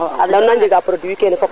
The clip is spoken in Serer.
nda nuna njega produit kene fop